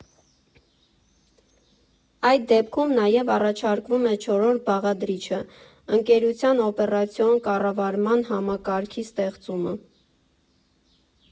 Այդ դեպքում նաև առաջարկվում է չորրորդ բաղադրիչը՝ ընկերության օպերացիոն կառավարման համակարգի ստեղծումը։